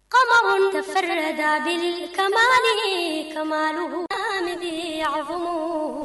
Kaba minnu fɛja kain kamalen ka ya mɔ